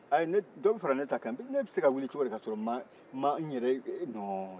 ayi dɔ bɛ fara ne ta kan ne bɛ se ka wili cogodi ka sɔrɔ ne ma yɛrɛ non